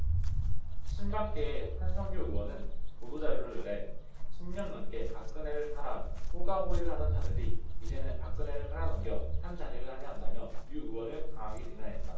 친박계의 한선교 의원은 보도 자료를 내 십 년 넘게 박근혜를 팔아 호가호위를 하던 자들이 이제는 박근혜를 팔아넘겨 한자리를 하려 한다며 유 의원을 강하게 비난했다